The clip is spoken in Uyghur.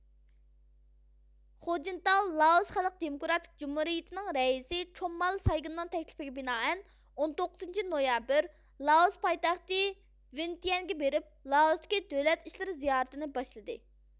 خۇجىنتاۋ لائوس خەلق دېموكراتىك جۇمھۇرىيىتىنىڭ رەئىسى چوممال سايگىننىڭ تەكلىپىگە بىنائەن ئون توققۇزىنچى نويابىر لائوس پايتەختى ۋىنتىيەنگە بېرىپ لائوستىكى دۆلەت ئىشلىرى زىيارىتىنى باشلىدى